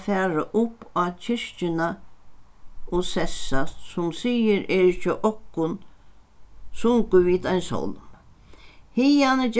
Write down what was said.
fara upp á kirkjuna og sessast sum sigur er hjá okkum sungu vit ein sálm hiðani